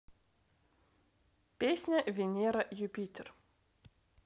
песня венера юпитер